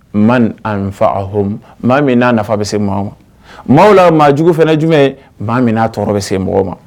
Ma fah maa min n'a nafa bɛ se ma maa la maa jugu fana jumɛn maa min'a tɔɔrɔ bɛ se mɔgɔw ma